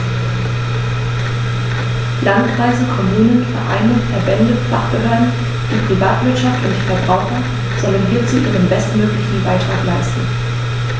Landkreise, Kommunen, Vereine, Verbände, Fachbehörden, die Privatwirtschaft und die Verbraucher sollen hierzu ihren bestmöglichen Beitrag leisten.